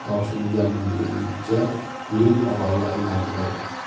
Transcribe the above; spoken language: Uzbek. topshirilgan dedi yigitcha yuring orolni aylantiray